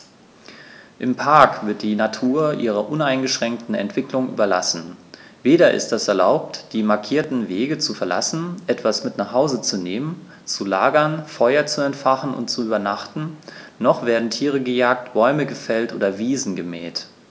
Im Park wird die Natur ihrer uneingeschränkten Entwicklung überlassen; weder ist es erlaubt, die markierten Wege zu verlassen, etwas mit nach Hause zu nehmen, zu lagern, Feuer zu entfachen und zu übernachten, noch werden Tiere gejagt, Bäume gefällt oder Wiesen gemäht.